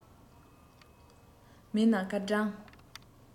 མིན ན སྐར གྲངས